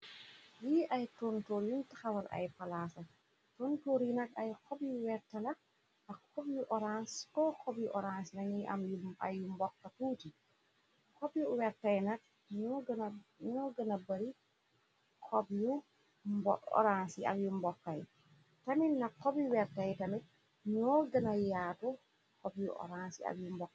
li ay trontor yuñt xawar ay palaasa tontor yi nak ay xob yu wettala ak xob yu orance ko xob yu orance nanuy am u mbokka tuutyi xob yu wekkay nak ñoo gëna bari xob y orance yi ak yu mbokkay tamil nak xob yi wertay tamik ñoo gëna yaatu xob yu orance yi ak yu mbokk